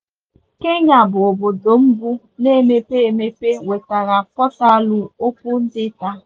Kenya bụ obodo mbụ na-emepe emepe nwetara pọtalụ Open Data.